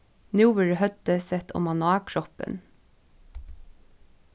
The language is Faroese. nú verður høvdið sett omaná kroppin